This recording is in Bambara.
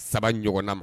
Saba ɲɔgɔn ma